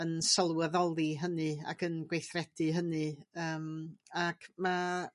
yn sylweddoli hynny ac yn gweithredu hynny yym ac ma'